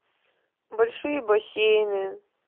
большие бассейны